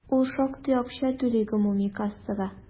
Ул шактый акча түли гомуми кассага.